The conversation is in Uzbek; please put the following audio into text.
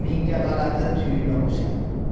menga g'alati tuyula boshladi